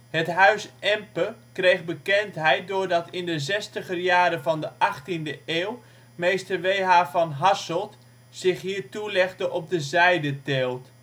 Het Huis Empe kreeg bekendheid doordat in de zestigerjaren van de achttiende eeuw mr. W.H. van Hasselt zich hier toelegde op de zijdeteelt